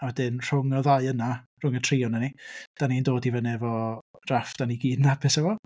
A wedyn rhwng y ddau yna, rhwng y tri ohonan ni dan ni'n dod i fyny efo drafft dan ni gyd yn hapus efo.